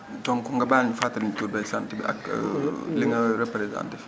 donc nga baal ñu fàttaliñu tur beeg sant bi ak li nga représenté fii